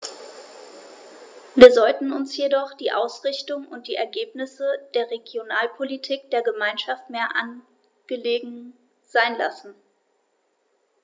Wir sollten uns jedoch die Ausrichtung und die Ergebnisse der Regionalpolitik der Gemeinschaft mehr angelegen sein lassen.